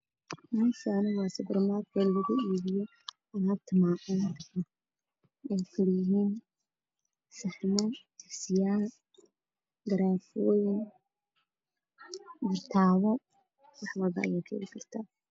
Meshani waa subar markeed laku ibiyo alabta macuunta eey kala yahiin saxaman digsiyal garafoyin biri tawo